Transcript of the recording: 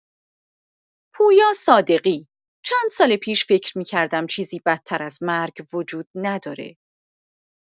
پویا صادقی: چند سال پیش فکر می‌کردم چیزی بدتر از مرگ وجود نداره.